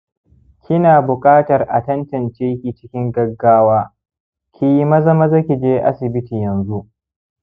kina buƙatar a tantance ki cikin gaggawa, kiyi maza maza kije asibiti yanxu.